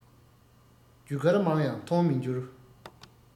རྒྱུ སྐར མང ཡང མཐོང མི འགྱུར